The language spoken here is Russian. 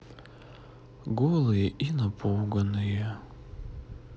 голые и напуганные